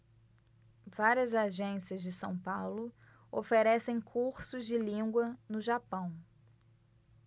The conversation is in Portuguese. várias agências de são paulo oferecem cursos de língua no japão